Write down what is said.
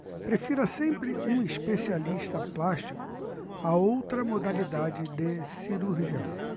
prefira sempre um especialista plástico a outra modalidade de cirurgião